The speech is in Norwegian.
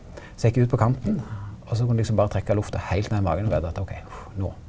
så gjekk eg ut på kanten også kunne eg liksom berre trekka lufta heilt ned i magen og veta at ok nå.